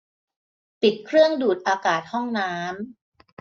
ปิดเครื่องดูดอากาศห้องน้ำ